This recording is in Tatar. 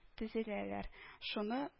Тезеләләр. шуны